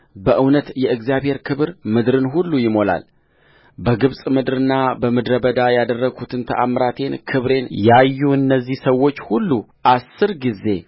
በእውነት የእግዚአብሔር ክብር ምድርን ሁሉ ይሞላልበግብፅ ምድርና በምድረ በዳ ያደረግሁትን ተአምራቴንና ክብሬን ያዩ እነዚህ ሰዎች ሁሉ አሥር ጊዜ